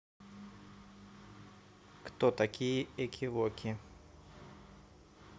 кто такие экивоки